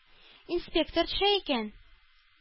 Инспектор төшә икән.